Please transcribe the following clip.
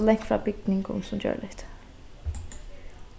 so langt frá bygningum sum gjørligt